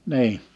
niin